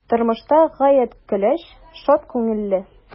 Тормышта гаять көләч, шат күңелле.